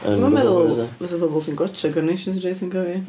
Dwi ddim yn meddwl fyse pobl sy'n gwatsiad Coronation Street yn cofio hi.